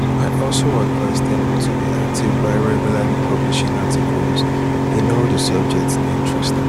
I also advise them to be active by regularly publishing articles in all the subjects that interest them.